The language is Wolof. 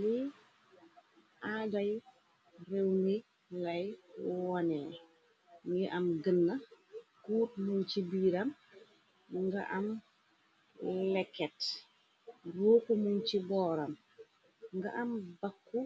Lii aaday réew mi lay wonee, minga am gënna kuut mum ci biiram, mu nga am leket, ruuxu mum ci booram, nga am bakku